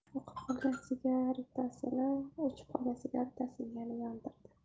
o'chib qolgan sigaretasini yana yondirdi